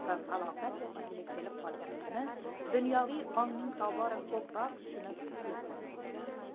va falokat yoqasiga kelib qolganligini dunyoviy ongning tobora ko'proq tushunib yetganligidadir